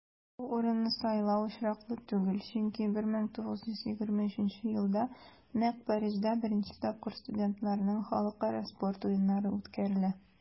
Бу урынны сайлау очраклы түгел, чөнки 1923 елда нәкъ Парижда беренче тапкыр студентларның Халыкара спорт уеннары үткәрелә.